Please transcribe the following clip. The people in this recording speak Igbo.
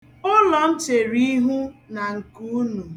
Ụlọ m chere ihu na nke unu.